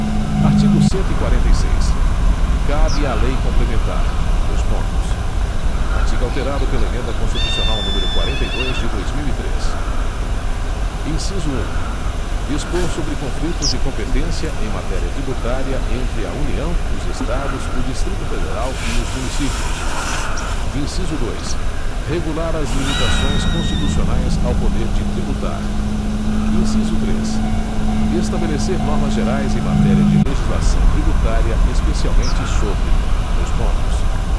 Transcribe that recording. artigo cento e quarenta e seis cabe à lei complementar dois pontos artigo alterado pela emenda constitucional número quarenta e dois de dois mil e três inciso um dispor sobre conflitos de competência em matéria tributária entre a união os estados o distrito federal e os municípios inciso dois regular as limitações constitucionais ao poder de tributar inciso três estabelecer normas gerais em matéria de legislação tributária especialmente sobre dois pontos